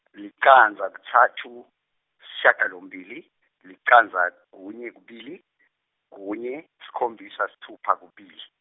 licandza kutsatfu sishiyagalombili licandza kunye kubili kunye sikhombisa sitfupha kubili.